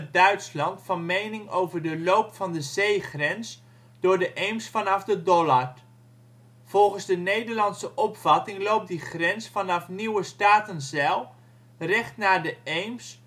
Duitsland van mening over de loop van de zeegrens door de Eems vanaf de Dollard. Volgens de Nederlandse opvatting loopt die grens vanaf Nieuwe Statenzijl recht naar de Eems